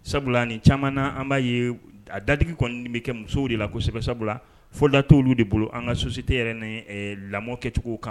Sabula ni caman an b'a ye a da kɔni bɛ kɛ musow de la kosɛbɛ sabu fo datɛolu de bolo an ka sosite yɛrɛ ni lamɔ kɛcogo kan